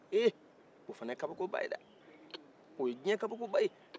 hee o fana ye kabako ye dɛ o ye diɲɛ kabako baye